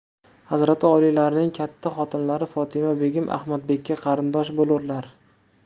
hazrati oliylarining katta xotinlari fotima begim ahmadbekka qarindosh bo'lurlar